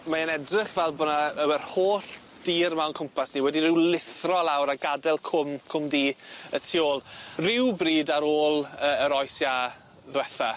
Mae e'n edrych fel bo' 'na yym yr holl dir 'ma o'n cwmpas ni wedi ryw lithro lawr a gad'el cwm Cwm Du y tu ôl ryw bryd ar ôl yy yr oes iâ ddwetha.